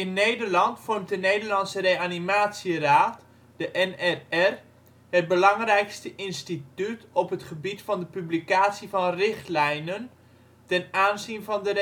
Nederland vormt de Nederlandse Reanimatieraad (NRR) het belangrijkste instituut op het gebied van de publicatie van richtlijnen ten aanzien van de